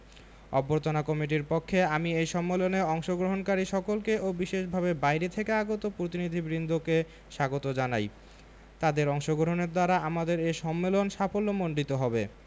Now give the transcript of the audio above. অভ্যর্থনা কমিটির পক্ষে আমি এই সম্মেলনে অংশগ্রহণকারী সকলকে ও বিশেষভাবে বাইরে থেকে আগত প্রতিনিধিবৃন্দকে স্বাগত জানাই তাদের অংশগ্রহণের দ্বারা আমাদের এ সম্মেলন সাফল্যমণ্ডিত হবে